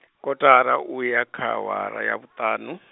kaṱara uya kha awara ya vhuṱaṋu.